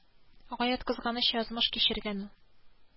Хәзергә егет нык тора әле.